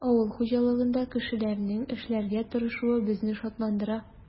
Авыл хуҗалыгында кешеләрнең эшләргә тырышуы безне шатландыра.